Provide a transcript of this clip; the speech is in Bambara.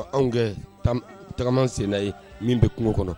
Anw kɛ tagaman senna ye min bɛ kungo kɔnɔ